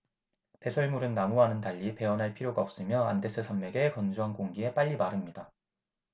배설물은 나무와는 달리 베어 낼 필요가 없으며 안데스 산맥의 건조한 공기에 빨리 마릅니다